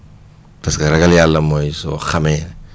parce ragal yàlla mooy soo xamee